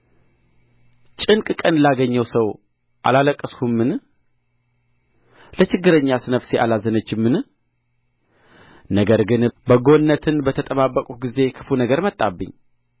ጭንቅ ቀን ላገኘው ሰው አላለቀስሁምን ለችግረኛስ ነፍሴ አላዘነችምን ነገር ግን በጎነትን በተጠባበቅሁ ጊዜ ክፉ ነገር መጣችብኝ